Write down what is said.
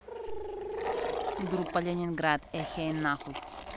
группа ленинград ехай нахуй